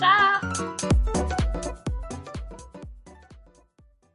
Tara.